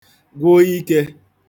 gwụ ikē